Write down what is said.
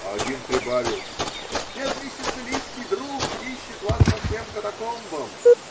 А один прибавил: -- Бедный сицилийский друг ищет вас по всем катакомбам.